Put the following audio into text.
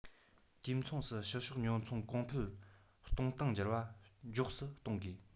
དུས མཚུངས སུ ཕྱི ཕྱོགས ཉོ ཚོང གོང འཕེལ གཏོང སྟངས འགྱུར བ མགྱོགས སུ གཏོང དགོས